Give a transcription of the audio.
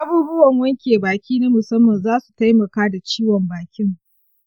abubuwan wanke baki na musamman zasu taimaka da ciwon bakin.